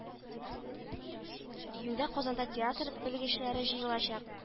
Июньдә Казанда театр белгечләре җыелачак